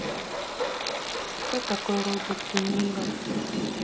кто такой роберт де ниро